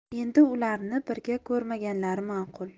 endi ularni birga ko'rmaganlari ma'qul